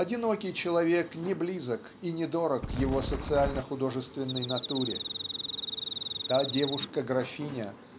одинокий человек не близок и не дорог его социально-художественной натуре. Та девушка-графиня